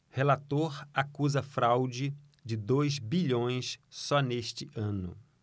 relator acusa fraude de dois bilhões só neste ano